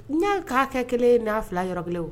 N'a k'a kɛ kelen n'a fila yɔrɔ bilen